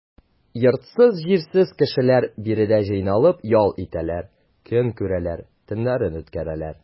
Йортсыз-җирсез кешеләр биредә җыйналып ял итәләр, көн күрәләр, төннәрен үткәрәләр.